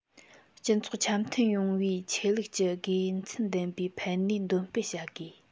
སྤྱི ཚོགས འཆམ མཐུན ཡོང བའི ཆོས ལུགས ཀྱི དགེ མཚན ལྡན པའི ཕན ནུས འདོན སྤེལ བྱ དགོས